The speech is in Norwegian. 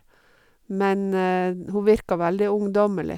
Men hun virker veldig ungdommelig.